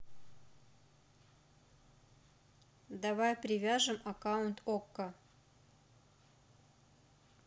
давай привяжем аккаунт окко